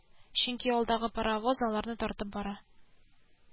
Чөнки алдагы паравоз аларны тартып бара